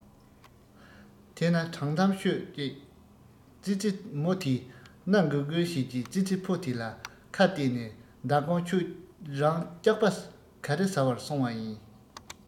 དེ ན དྲང གཏམ ཤོད ཅིག ཙི ཙི མོ དེས སྣ འགུལ འགུལ བྱེད ཀྱིན ཙི ཙི ཕོ དེ ལ ཁ གཏད ནས མདང དགོང ཁྱོད རང སྐྱག པ ག རེ ཟ བར སོང བ ཡིན